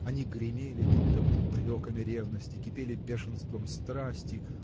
Они гремели, будто упреками ревности, кипели бешенством страсти